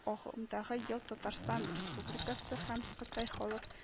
Агымдагы ел татарстан республикасы һәм кытай халык